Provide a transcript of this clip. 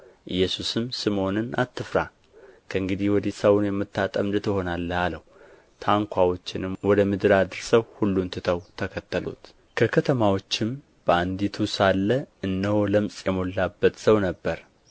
ኢየሱስም ስምዖንን አትፍራ ከእንግዲህ ወዲህ ሰውን የምታጠምድ ትሆናለህ አለው ታንኳዎችንም ወደ ምድር አድርሰው ሁሉን ትተው ተከተሉት ከከተማዎችም በአንዲቱ ሳለ እነሆ ለምጽ የሞላበት ሰው ነበረ